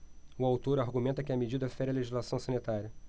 o autor argumenta que a medida fere a legislação sanitária